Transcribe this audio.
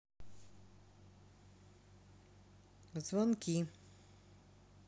звонки